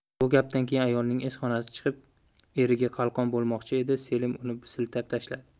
bu gapdan keyin ayolning esxonasi chiqib eriga qalqon bo'lmoqchi edi selim uni siltab tashladi